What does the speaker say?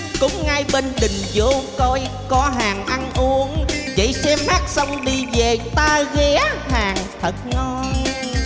cũng ngay bên đình vô coi có hàng ăn uống vậy xem hát xong đi về ta ghé hàng thật ngon